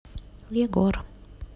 егор